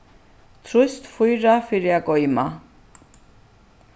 trýst fýra fyri at goyma